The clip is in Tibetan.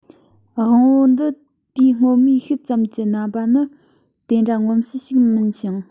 དབང པོ འདི དུས སྔ མོའི ཤུལ ཙམ གྱི རྣམ པ ནི དེ འདྲ མངོན གསལ ཞིག མིན ཞིང